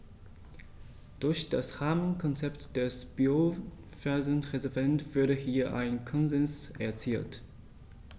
Durch das Rahmenkonzept des Biosphärenreservates wurde hier ein Konsens erzielt.